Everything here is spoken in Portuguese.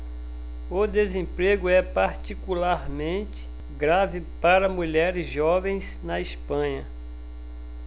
o desemprego é particularmente grave para mulheres jovens na espanha